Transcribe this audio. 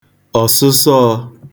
ọ̀sụsọọ̄